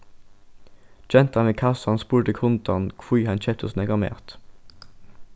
gentan við kassan spurdi kundan hví hann keypti so nógvan mat